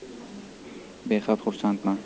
bexad xursandman